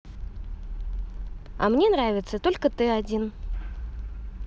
а мне нравится только ты один